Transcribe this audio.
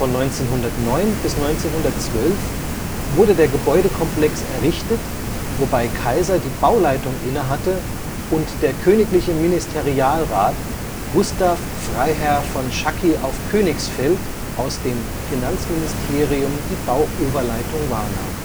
1909 bis 1912 wurde der Gebäudekomplex errichtet, wobei Kaiser die Bauleitung innehatte und der königliche Ministerialrat Gustav Freiherr von Schacky auf Königsfeld aus dem Finanzministerium die Bauoberleitung wahrnahm